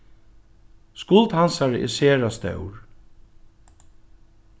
skuld hansara er sera stór